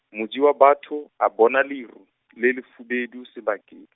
Moji wa batho, a bona leru, le lefubedu, sebakeng.